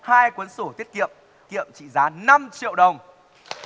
hai cuốn sổ tiết kiệm hiện trị giá năm triệu đồng